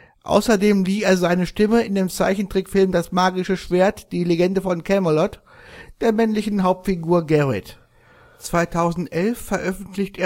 Außerdem lieh er seine Stimme in dem Zeichentrickfilm „ Das magische Schwert - Die Legende von Camelot “der männlichen Hauptfigur Garret. Hartmut Engler & Ingo Reidl beim Konzert in Dortmund im Rahmen der Wünsche-Tour 2009 2011 veröffentlicht